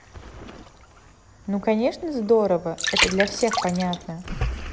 ну конечно здорово это для всех понятно